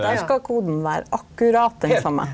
der skal koden vera akkurat den same.